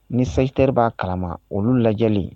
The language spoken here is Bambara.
Ni seliyi teribaaa kara olu lajɛlen